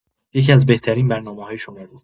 یکی‌از بهترین برنامه‌‌های شما بود.